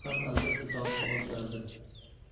ham albatta topib olishardi